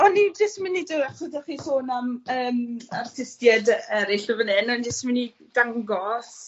O'n i jyst myn i do' achos o' chi sôn am yym artistied yy eryll o fan 'yn o'n i jyst myn' i dangos...